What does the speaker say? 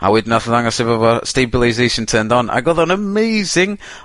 ...a wedyn nath o ddangos efo 'fo stabilisation turned on. Ag odd o'n amazing.